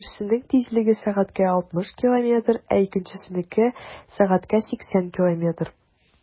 Берсенең тизлеге 60 км/сәг, ә икенчесенеке - 80 км/сәг.